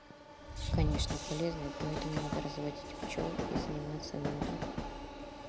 конечно полезный поэтому надо разводить пчел и заниматься медом